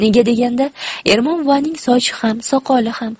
nega deganda ermon buvaning sochi ham soqoli ham